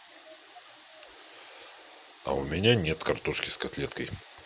а у меня нет картошки с котлеткой